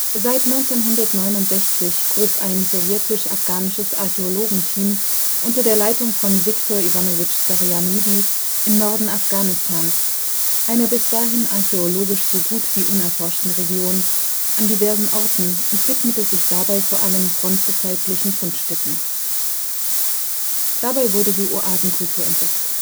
Seit 1969 grub ein sowjetisch-afghanisches Archäologenteam unter der Leitung von Wiktor Iwanowitsch Sarianidi im Norden Afghanistans, einer bis dahin archäologisch so gut wie unerforschten Region, an diversen Orten und widmete sich dabei vor allem bronzezeitlichen Fundstätten. Dabei wurde die Oasenkultur entdeckt